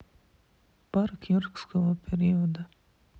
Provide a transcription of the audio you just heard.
парк юрского периода